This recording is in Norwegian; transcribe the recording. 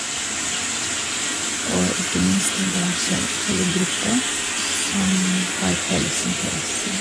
Og ikke minst det er så e hele gruppe som har felles interesse.